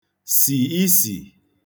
sì isì